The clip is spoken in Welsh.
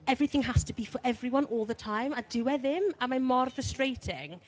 everything has to be for everyone all the time. A dyw e ddim. A mae mor frustrating.